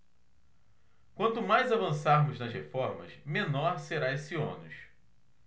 quanto mais avançarmos nas reformas menor será esse ônus